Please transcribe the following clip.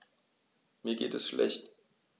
Mir geht es schlecht.